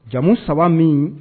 Jamu saba min